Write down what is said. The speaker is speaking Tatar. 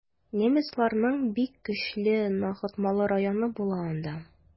Немецларның бик көчле ныгытмалы районы була анда.